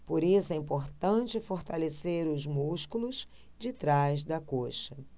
por isso é importante fortalecer os músculos de trás da coxa